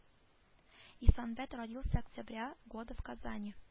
Исәнбәт родился октября года в казани